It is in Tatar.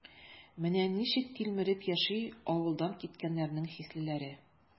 Менә ничек тилмереп яши авылдан киткәннәрнең хислеләре?